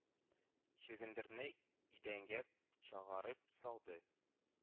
Чөгендерне идәнгә чыгарып салды